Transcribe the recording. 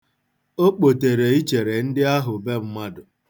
O kpotere ichere ndị ahụ be mmadụ.